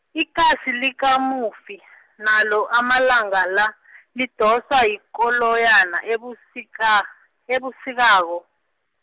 ikasi likamufi, nalo amalanga la , lidoswa yikoloyana ebusika, ebusika ko.